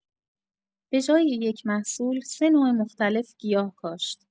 به‌جای یک محصول، سه نوع مختلف گیاه کاشت.